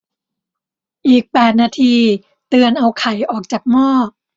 อีกแปดนาทีเตือนเอาไข่ออกจากหม้อ